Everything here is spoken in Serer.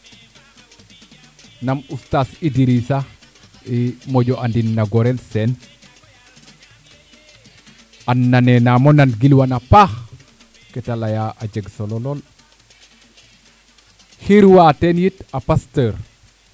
nam oustaz Idrissa moƴo andin no Gorel Sene an nanen nangamo nan gilwan a paax kete leya a jeg solo lool xir waa teen it a Pasteur